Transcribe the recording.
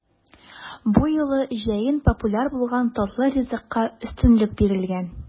Бу юлы җәен популяр булган татлы ризыкка өстенлек бирелгән.